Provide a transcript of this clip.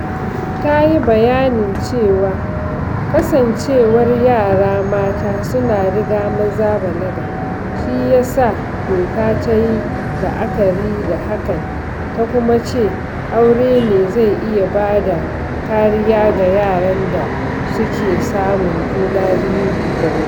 Ta yi bayanin cewa kasancewar yara mata suna riga maza balaga shi ya sa doka ta yi la'akari da hakan. Ta kuma ce aure ne zai iya ba da kariya ga yaran da suke samun juna biyu da wuri.